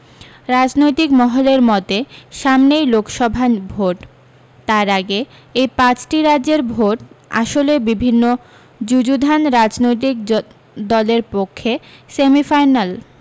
রাজনৈতিক মহলের মতে সামনেই লোকসভা ভোট তার আগে এই পাঁচটি রাজ্যের ভোট আসলে বিভিন্ন যু্যুধান রাজনৈতিক দলের পক্ষে সেমিফাইনাল